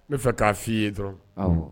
N bɛ fɛ ka f'i ye dɔrɔn Awɔ.